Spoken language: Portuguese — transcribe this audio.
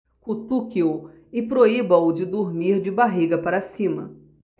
cutuque-o e proíba-o de dormir de barriga para cima